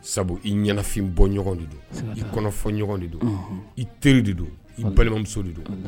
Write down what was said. Sabu i ɲɛnafin bɔ ɲɔgɔn de don i kɔnɔfɔ ɲɔgɔn de don i teri de don i balimamuso de don